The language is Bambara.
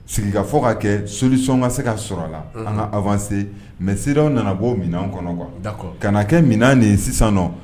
Sigikafɔ ka kɛ solution ka se ka sɔrɔ a la an ka avancé mais CEDEAO nana bɔ o minɛn kɔnɔ quoi, d'accord ka na kɛ minɛn de ye sisan nɔ